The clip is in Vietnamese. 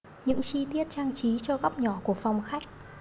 những chi tiết trang trí cho góc nhỏ của phòng khách